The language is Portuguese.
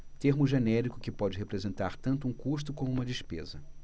termo genérico que pode representar tanto um custo como uma despesa